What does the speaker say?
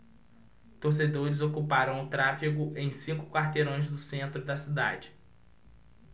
torcedores ocuparam o tráfego em cinco quarteirões do centro da cidade